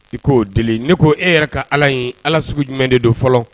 I ko'o deli ne ko e yɛrɛ ka ala ye ala sugu jumɛn de don fɔlɔ